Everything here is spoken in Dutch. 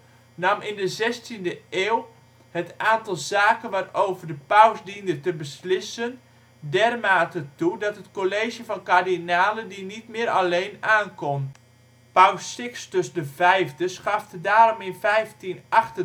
nam in de 16e eeuw nam het aantal zaken waarover de paus diende te beslissen dermate toe, dat het College van Kardinalen die niet meer alleen aankon. Paus Sixtus V schafte daarom in 1588 het